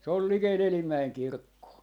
se on likellä Elimäen kirkkoa